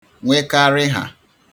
nwekarịhà